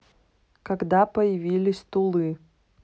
когда появились тулы